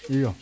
iyo